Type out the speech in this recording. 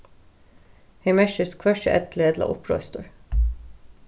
her merkist hvørki elli ella uppreistur